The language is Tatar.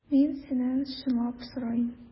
Мин синнән чынлап сорыйм.